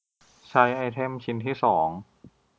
ใช้ไอเทมชิ้นที่สอง